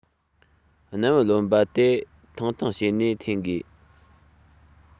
སྣམ བུ རློན པ དེ ཐང ཐང བྱས ནས འཐེན དགོས